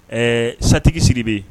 Ɛɛ Satigi Sidibe